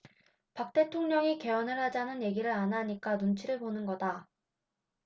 박 대통령이 개헌을 하자는 얘기를 안 하니까 눈치를 보는 거다